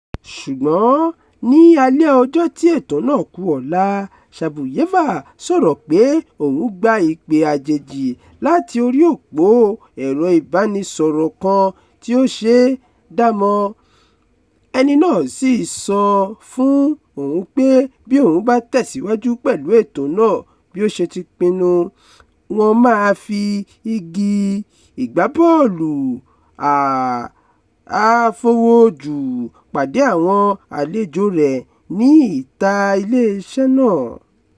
Ṣùgbọ́n ní alẹ́ ọjọ́ tí ètò náà ku ọ̀la, Shabuyeva sọ̀rọ̀ pé òun gba ìpè àjèjì láti orí òpó ẹ̀rọ-ìbánisọ̀rọ̀ kan tí kò ṣe é dámọ̀, ẹni náà sì sọ fún òun pé bí òun bá tẹ̀síwajú pẹ̀lú ètò náà bí ó ṣe ti pinnu, wọ́n máa fi igi ìgbábọ́ọ̀lù-afọwọ́jù pàdé àwọn àlejò rẹ ní ìta ilé-iṣẹ́ náà.